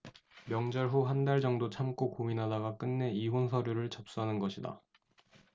명절 후 한달 정도 참고 고민하다가 끝내 이혼 서류를 접수하는 것이다